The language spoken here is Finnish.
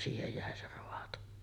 siihen jäi se raato